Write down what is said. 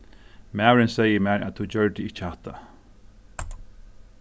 maðurin segði mær at tú gjørdi ikki hatta